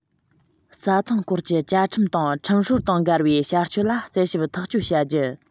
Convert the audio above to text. རྩྭ ཐང སྐོར གྱི བཅའ ཁྲིམས དང ཁྲིམས སྲོལ དང འགལ བའི བྱ སྤྱོད ལ རྩད ཞིབ ཐག གཅོད བྱ རྒྱུ